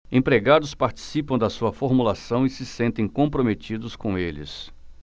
empregados participam da sua formulação e se sentem comprometidos com eles